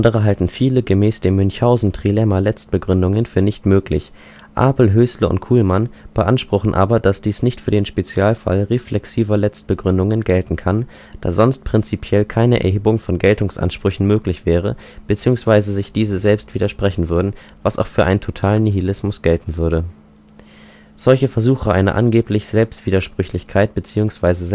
halten viele gemäß dem Münchhausen-Trilemma Letztbegründungen für nicht möglich. Apel, Hösle und Kuhlmann beanspruchen aber, dass dies nicht für den Spezialfall „ reflexiver Letztbegründungen “gelten kann, da sonst prinzipiell keine Erhebung von Geltungsansprüchen möglich wäre beziehungsweise sich diese selbst widersprechen würden, was auch für einen „ totalen “Nihilismus gelten würde. Solche Versuche, eine angebliche Selbstwidersprüchlichkeit beziehungsweise Selbstverneinung